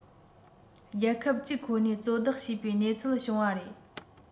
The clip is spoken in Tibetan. རྒྱལ ཁབ གཅིག ཁོ ནས གཙོ བདག བྱེད པའི གནས ཚུལ བྱུང བ རེད